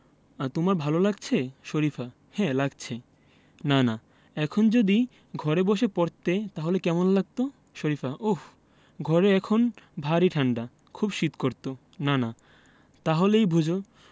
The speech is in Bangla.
তোমার ভালো লাগছে শরিফা হ্যাঁ লাগছে নানা এখন যদি ঘরে বসে পড়তে তাহলে কেমন লাগত শরিফা ওহ ঘরে এখন ভারি ঠাণ্ডা খুব শীত করত নানা তা হলেই বোঝ